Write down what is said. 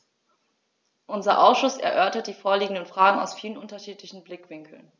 Unser Ausschuss erörtert die vorliegenden Fragen aus vielen unterschiedlichen Blickwinkeln.